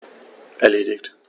Erledigt.